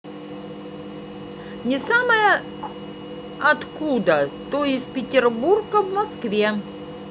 не самая откуда то из петербурга в москве